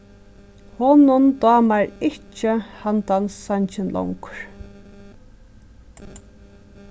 honum dámar ikki handan sangin longur